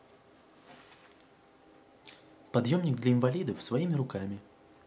подъемник для инвалидов своими руками